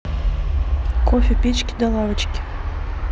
кафе печки до лавочки